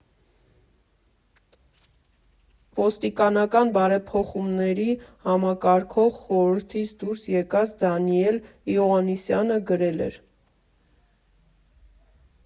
Ոստիկանական բարեփոխումների համակարգող խորհրդից դուրս եկած Դանիել Իոաննիսյանը գրել էր.